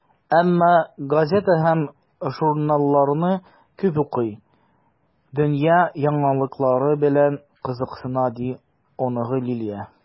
Әмма газета һәм журналларны күп укый, дөнья яңалыклары белән кызыксына, - ди оныгы Лилия.